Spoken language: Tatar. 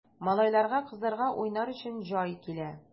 Малайларга, кызларга уйнар өчен җай килә!